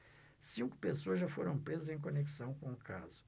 cinco pessoas já foram presas em conexão com o caso